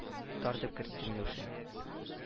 Тартып кертте миләүшә